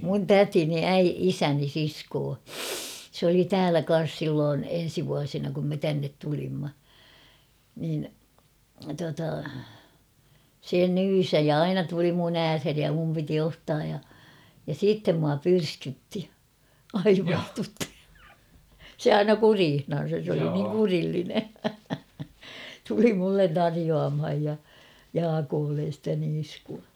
minun tätini - isäni sisko se oli täällä kanssa silloin ensi vuosina kun me tänne tulimme niin tuota se nyysäsi ja aina tuli minun ääreeni ja minun piti ottaa ja ja sitten minua pyrskytti aivastutti se aina kureissansa se oli niin kurillinen tuli minulle tarjoamaan ja Jaakolle sitä niiskua